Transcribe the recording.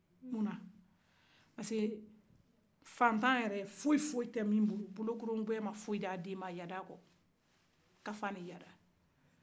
fantan yɛrɛ foyi foyi tɛ min bolo bolokolonjɛ ma foyi d'a den ma fɔ yada